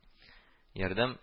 “ярдәм”